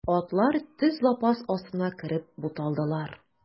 Атлар төз лапас астына кереп буталдылар.